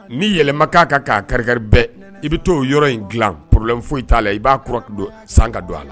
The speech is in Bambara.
Ni yɛlɛma'a ka'a kari- bɛɛ i bɛ to o yɔrɔ in dila porolen foyi t'a la i b'a kɔrɔkɛdo san ka don a la